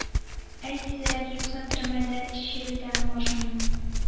Йт тизрәк, юкса төрмәдә черетәм башыңны!